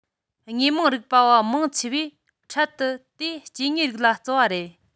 དངོས མང རིག པ བ མང ཆེ བས འཕྲད དུ དེ སྐྱེ དངོས རིགས ལ བརྩི བ རེད